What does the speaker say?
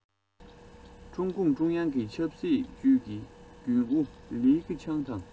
ཀྲུང གུང ཀྲུང དབྱང ཆབ སྲིད ཅུས ཀྱི རྒྱུན ཨུ ལི ཁེ ཆང དང